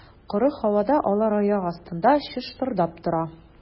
Коры һавада алар аяк астында чыштырдап тора.